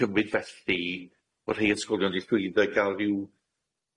cymryd felly bo rhei ysgolion 'di llwyddo i ga'l ryw